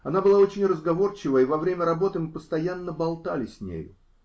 Она была очень разговорчива, и во время работы мы постоянно болтали с нею.